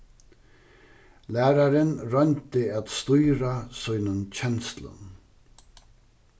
lærarin royndi at stýra sínum kenslum